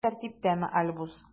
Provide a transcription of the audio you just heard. Син тәртиптәме, Альбус?